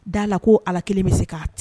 D'a la k'o Ala kelen bɛ se k'a t